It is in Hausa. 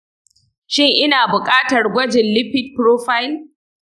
shin ina buƙatar gwajin lipid profile?